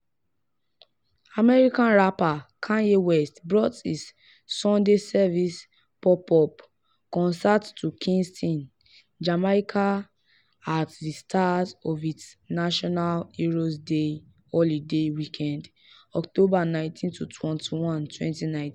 American rapper Kanye West brought his "Sunday Service" pop-up concert to Kingston, Jamaica, at the start of its National Heroes Day holiday weekend (October 19-21, 2019).